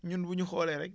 ñun bu ñu xoolee rek